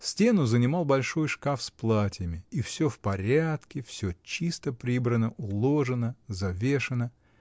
Стену занимал большой шкаф с платьями — и всё в порядке, всё чисто прибрано, уложено, завешано.